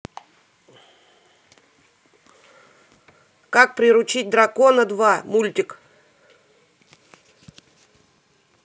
как приручить дракона два мультик